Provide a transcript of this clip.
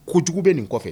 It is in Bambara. Kojugu bɛ nin kɔfɛ